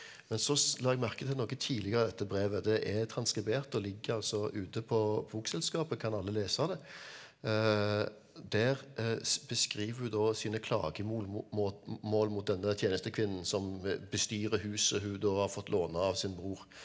men så la jeg merke til noe tidligere i dette brevet det er transkribert og ligger altså ute på Bokselskapet kan alle lese det der beskriver hun da sine klagemål mot den der tjenestekvinnen som bestyrer huset hun da har fått låne av sin bror.